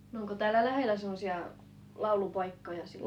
no onko täällä lähellä semmoisia laulupaikkoja sitten